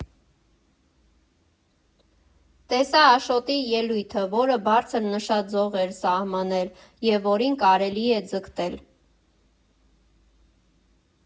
Տեսա Աշոտի ելույթը, որը բարձր նշաձող էր սահմանել և որին կարելի է ձգտել։